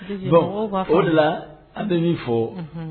Bon o de an de' fɔ